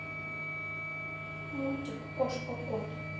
мультик кошка кот